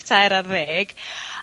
...tair ar ddeg.